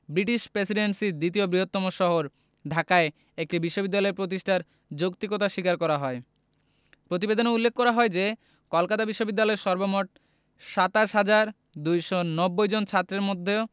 British প্রেসিডেন্সির দ্বিতীয় বৃহত্তম শহর ঢাকায় একটি বিশ্ববিদ্যালয় প্রতিষ্ঠার যৌক্তিকতা স্বীকার করা হয় প্রতিবেদনে উল্লেখ করা হয় যে কলকাতা বিশ্ববিদ্যালয়ের সর্বমোট ২৭ হাজার ২৯০ জন ছাত্রের মধ্যে